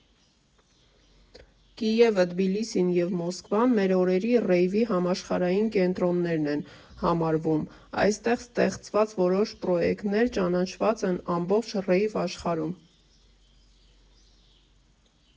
Կիևը, Թբիլիսին և Մոսկվան մեր օրերի ռեյվի համաշխարհային կենտրոններ են համարվում, այստեղ ստեղծված որոշ պրոյեկտներ ճանաչված են ամբողջ ռեյվ֊աշխարհում։